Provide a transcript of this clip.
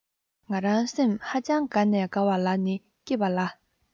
ང རང སེམས ཧ ཅང དགའ ནས དགའ བ ལ ནི སྐྱིད པ ལ